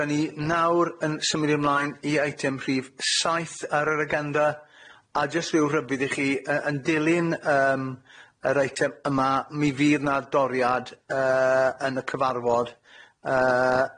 'Dan ni nawr yn symud ymlaen i eitem rhif saith ar yr agenda a jyst ryw rhybudd i chi yy yn dilyn yym yr eitem yma mi fydd 'na doriad yy yn y cyfarfod yy